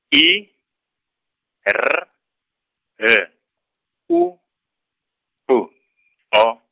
I, R, H, U, B , O.